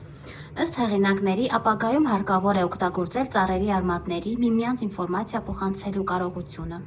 Ըստ հեղինակների ապագայում հարկավոր է օգտագործել ծառերի արմատների՝ միմյանց ինֆորմացիա փոխանցելու կարողությունը։